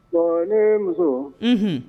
Bon ne muso ,unhun.